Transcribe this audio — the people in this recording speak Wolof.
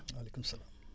maaleykum salaam